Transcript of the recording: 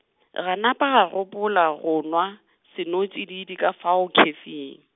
ra napa ra gopola go yo nwa, senotšididi ka fao khefing.